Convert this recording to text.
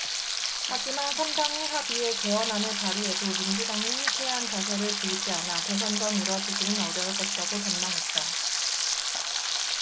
하지만 삼 당이 합의해 개헌안을 발의해도 민주당이 흔쾌한 자세를 보이지 않아 대선 전 이뤄지기는 어려울 것이라고 전망했다